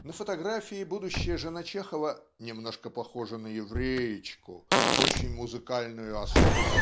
На фотографии будущая жена Чехова "немножко похожа на евреечку очень музыкальную особу